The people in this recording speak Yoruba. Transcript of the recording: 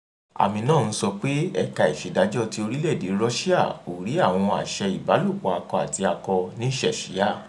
àmì náà ń sọ pé: Ẹ̀KA ÌṢÈDÁJỌ́ TI ORÍLẸ̀-ÈDÈE RUSSIA Ò RÍ ÀWỌN AṢE-ÌBÁLÒPỌ̀-AKỌ-ÀTI-AKỌ NÍ CHECHYA.